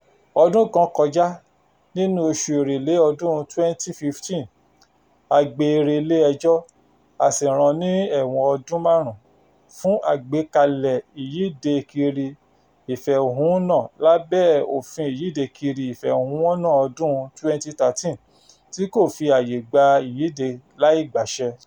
Ọdún kan kọjá, nínú oṣù Èrèlé ọdún 2015, a gbé e re ilé ẹjọ́ a sì rán an ní ẹ̀wọ̀n ọdún márùn-ún fún "àgbékalẹ̀ " ìyíde kiri ìfẹ̀hànnúhàn lábẹ́ òfin ìyíde kiri ìfẹ̀hànnúhàn ọdún 2013 tí kò fi àyè gba ìyíde láìgbàṣẹ.